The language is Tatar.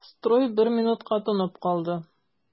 Строй бер минутка тынып калды.